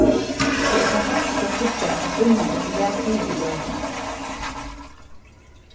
tað er fantastiskt at síggja at vinnan er so væl fyri í løtuni